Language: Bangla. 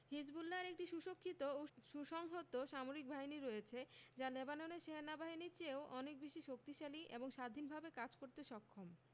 হিজবুল্লাহর একটি সুশক্ষিত ও সুসংহত সামরিক বাহিনী রয়েছে যা লেবাননের সেনাবাহিনীর চেয়েও অনেক বেশি শক্তিশালী এবং স্বাধীনভাবে কাজ করতে সক্ষম